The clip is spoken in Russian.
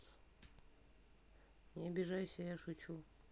не обижайся я шучу